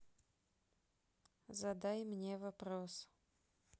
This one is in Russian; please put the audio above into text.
задай мне вопрос